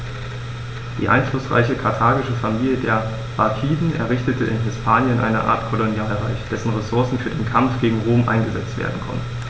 Die einflussreiche karthagische Familie der Barkiden errichtete in Hispanien eine Art Kolonialreich, dessen Ressourcen für den Kampf gegen Rom eingesetzt werden konnten.